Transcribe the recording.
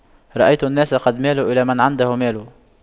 رأيت الناس قد مالوا إلى من عنده مال